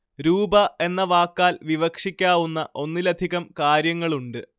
രൂപ എന്ന വാക്കാൽ വിവക്ഷിക്കാവുന്ന ഒന്നിലധികം കാര്യങ്ങളുണ്ട്